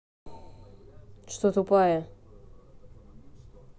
что тупая